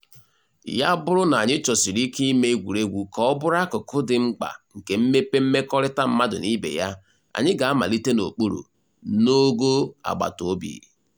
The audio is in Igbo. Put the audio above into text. Ya bụrụ na anyị chọsiri ike ime egwuregwu ka ọ bụrụ akụkụ dị mkpa nke mmepe mmekọrịta mmadụ na ibe ya, anyị ga-amalite n'okpuru, n'ogo agbataobi.